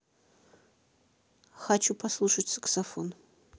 хочу послушать саксофон